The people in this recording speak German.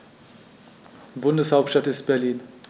Bundeshauptstadt ist Berlin.